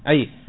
ayi